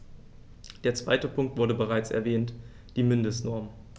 Der zweite Punkt wurde bereits erwähnt: die Mindestnormen.